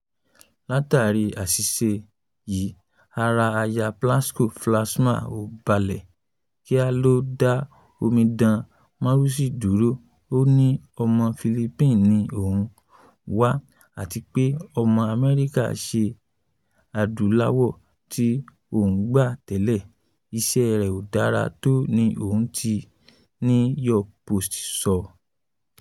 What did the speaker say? Látàrí àṣìṣe yìí, ara Aya Plasco-Flaxman “‘ò balẹ̀”. Kíá ló dá Omidan Maurice dúró. Ó ní ọmọ Filipino ni òun ń wá. Àtipé, ọmọ Amẹríkà-ṣe-Adúláwò tí òún gba tẹ́lẹ̀, iṣẹ́ ẹ̀ ‘ò dára tó ni ohun tí New York Post sọ.